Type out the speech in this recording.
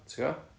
ti gwbo?